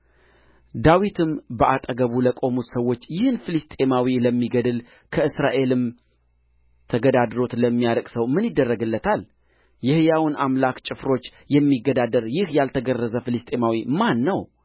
ዳዊትም በአጠገቡ ለቆሙት ሰዎች ይህን ፍልስጥኤማዊ ለሚገድል ከእስራኤልም ተግዳሮትን ለሚያርቅ ሰው ምን ይደረግለታል የሕያውን አምላክ ጭፍሮች የሚገዳደር ይህ ያልተገረዘ ፍልስጥኤማዊ ማን ነው